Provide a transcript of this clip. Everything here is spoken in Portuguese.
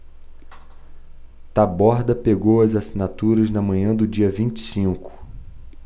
taborda pegou as assinaturas na manhã do dia vinte e cinco